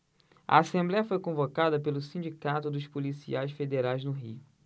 a assembléia foi convocada pelo sindicato dos policiais federais no rio